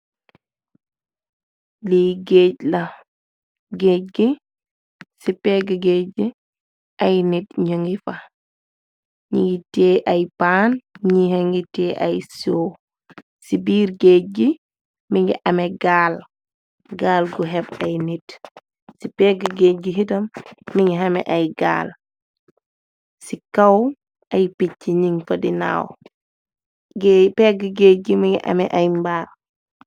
Lii géej la, géej gi ci péggi géej gi ay nit ñungi fa. Ñi ngi tée ay paan nixa ngi tée ay soo, ci biir géej gi mi ngi amé gaal, gaal gu xeb ay nit. Ci pégg géej gi xitam mi ngi ame ay gaal, ci kaw ay pichii ning fa dinaaw, péggi géej gi mi ngi amé ay mbaar.